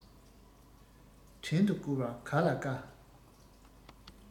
བྲན དུ བཀོལ བར ག ལ དཀའ